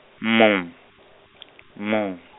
mu, mu.